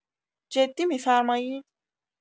جدی می‌فرمایید؟